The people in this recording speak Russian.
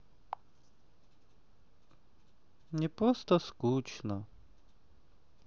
мне просто скучно